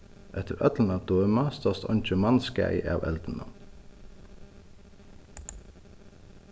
eftir øllum at døma stóðst eingin mannskaði av eldinum